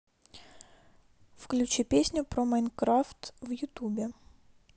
включи песню про майнкрафт в ютубе